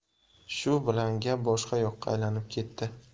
shu bilan gap boshqa yoqqa aylanib ketdi